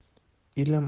ilm olish nina